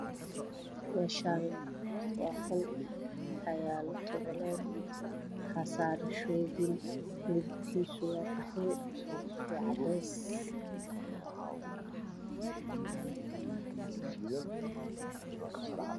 Meeshaan waa qol waxaa yaalo toboleed waxaa saaran shoopin midabkiisu yahay qaxwi iyo cadays